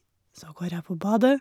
Så går jeg på badet.